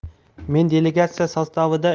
men delegatsiya sostavida